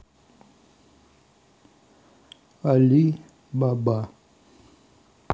али баба